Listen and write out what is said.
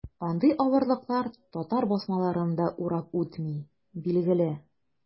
Андый авырлыклар татар басмаларын да урап үтми, билгеле.